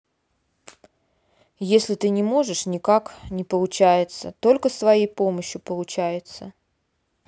если ты не поможешь никак не получается только своей помощью получается